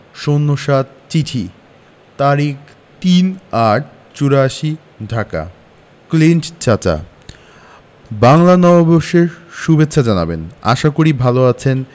০৭ চিঠি তারিখ ৩-৮-৮৪ ঢাকা ক্লিন্ট চাচা বাংলা নববর্ষের সুভেচ্ছা জানাবেন আশা করি ভালো আছেন